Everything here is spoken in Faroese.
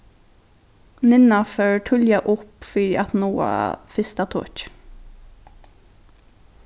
ninna fór tíðliga upp fyri at náa fyrsta tokið